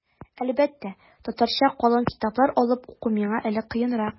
Әлбәттә, татарча калын китаплар алып уку миңа әле кыенрак.